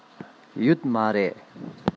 ཡོད མ རེད